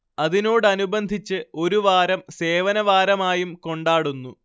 അതിനോടനുബന്ധിച്ച് ഒരു വാരം സേവനവാരമായും കൊണ്ടാടുന്നു